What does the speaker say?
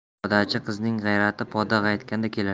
podachi qizining g'ayrati poda qaytganda kelar